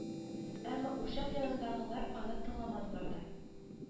Әмма учак янындагылар аны тыңламадылар да